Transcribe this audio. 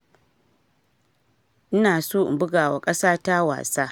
"Ina so in buga wa kasarta wasa.